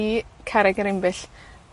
i Carreg Yr Imbyll.